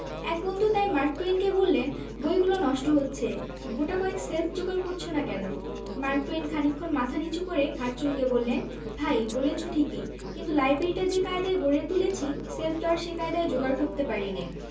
এক বন্ধু তাই মার্ক টুয়েনকে বললেন বইগুলো নষ্ট হচ্ছে গোটাকয়েক শেল্ফ যোগাড় করছ না কেন মার্ক টুয়েন খানিকক্ষণ মাথা নিচু করে ঘাড় চুলকে বললেন ভাই বলেছ ঠিকই কিন্তু লাইব্রেরিটা যে কায়দায় গড়ে তুলেছি শেলফ তো আর সে কায়দায় যোগাড় করতে পারি নে